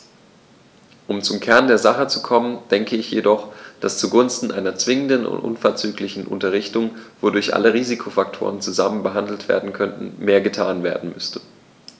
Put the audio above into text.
Um zum Kern der Sache zu kommen, denke ich jedoch, dass zugunsten einer zwingenden und unverzüglichen Unterrichtung, wodurch alle Risikofaktoren zusammen behandelt werden könnten, mehr getan werden müsste.